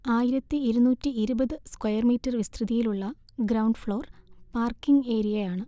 ആയിരത്തി ഇരുന്നൂറ്റി ഇരുപത് സ്ക്വയർ മീറ്റർ വിസ്തൃതിയിലുള്ള ഗ്രൗണ്ട് ഫ്ളോർ പാർക്കിങ് ഏരിയയാണ്